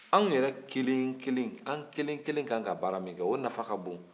an yɛrɛ kelen kelen an kelen kelen kan ka baara min kɛ o nafa ka bon